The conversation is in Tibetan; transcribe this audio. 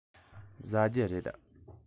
ཟ རྒྱུ རེད